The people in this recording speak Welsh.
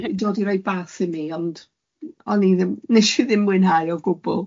Ac o'n i'n dod i roi bath i mi, ond o'n i ddim wnes i ddim mwynhau o gwbl.